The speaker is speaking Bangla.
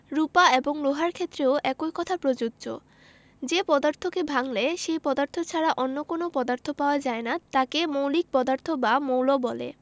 রুপা এবং লোহার ক্ষেত্রেও একই কথা প্রযোজ্য যে পদার্থকে ভাঙলে সেই পদার্থ ছাড়া অন্য কোনো পদার্থ পাওয়া যায় না তাকে মৌলিক পদার্থ বা মৌল বলে